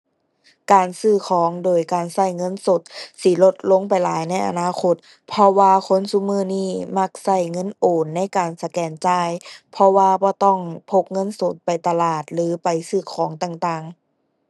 การซื้อของโดยการใช้เงินสด สิลดลงไปหลายในอนาคต เพราะว่าคนซุมื้อนี้มักใช้เงินโอนในการสแกนจ่าย เพราะว่าบ่ต้องพกเงินสดไปตลาดหรือไปซื้อของต่างต่าง